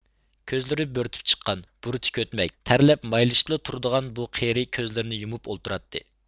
كۆزلىرى بۆرتۈپ چىققان بۇرۇتى كۆتمەك تەرلەپ مايلىشىپلا تۇرىدىغان بۇ قېرى كۆزلىرىنى يۇمۇپ ئولتۇراتتى